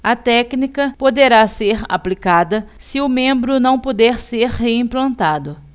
a técnica poderá ser aplicada se o membro não puder ser reimplantado